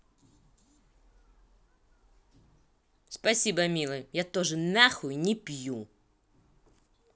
спасибо милый я тоже нахуй не пью